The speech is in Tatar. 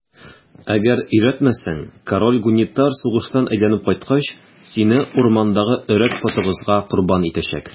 Әгәр өйрәтмәсәң, король Гунитар сугыштан әйләнеп кайткач, сине урмандагы Өрәк потыгызга корбан итәчәк.